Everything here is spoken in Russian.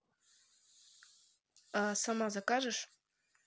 а сама закажешь